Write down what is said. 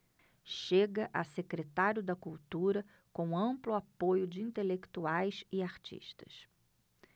chega a secretário da cultura com amplo apoio de intelectuais e artistas